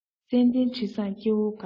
ཙན དན དྲི བཟང སྐྱེ བོ དགའ